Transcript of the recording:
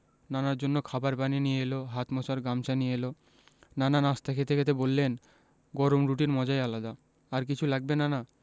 নানার জন্য খাবার পানি নিয়ে এলো হাত মোছার গামছা নিয়ে এলো নানা নাশতা খেতে খেতে বললেন গরম রুটির মজাই আলাদা আর কিছু লাগবে নানা